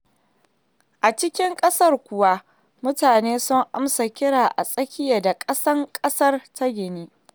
A cikin ƙasar kuwa, mutane sun amsa kira a tsakiya da ƙasan ƙasar ta Guinea.